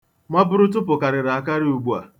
Maburutụpụ karịrị akarị ugbu a.